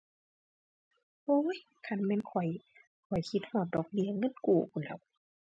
โอ้ย คันแม่นข้อย ข้อยคิดฮอดดอกเบี้ยเงินกู้พู้นแหล้ว